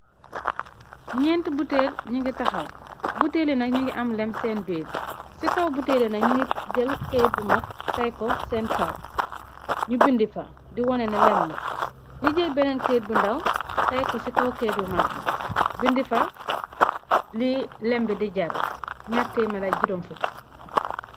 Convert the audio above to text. Nyeent buteel ñi ngi taxaw. Buteeli nak ñyu ngi am lem seen biir. Ci kaw buteeli nak ñyu ngi jël kayt bu mag tayko seen kaw ñu bindi fa di wone na lem la. Nyu jël beneen kayt bu ndàw tay ko ci kaw kayt bu mag bi bindi fa li lemb di jar ñyetti jurom fuk.